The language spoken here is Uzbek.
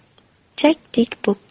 chak tik puk